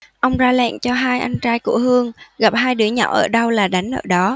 ông ra lệnh cho hai anh trai của hương gặp hai đứa nhỏ ở đâu là đánh ở đó